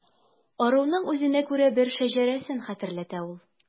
Ыруның үзенә күрә бер шәҗәрәсен хәтерләтә ул.